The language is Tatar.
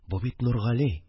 Бу бит нургали